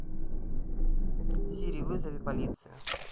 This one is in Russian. сири вызови полицию